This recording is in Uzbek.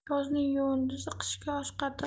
yozning yuvindisi qishga osh qatiq